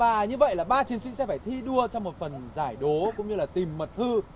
và như vậy là ba chiến sĩ sẽ phải thi đua cho một phần giải đố cũng như là tìm mật thư